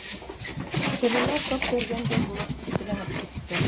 Тәненә ток бәргәндәй булып эсселәнеп китте.